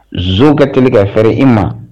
Nson ka telikɛ ka fɛrɛ i ma